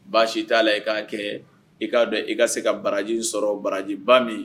Baasi si t'a la i k'a kɛ i k'a dɔ i ka se ka barajiw sɔrɔ barajiba min